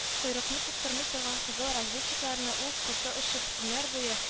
Койрыкны тоттырмый торган кызыл разведчикларны ул, коты очып, төннәр буе